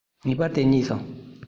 ངེས པར དེ གཉིད སོང